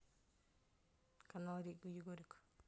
канал егорик